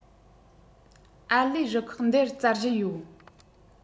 ཨར ལས རུ ཁག འདིར བཙལ བཞིན ཡོད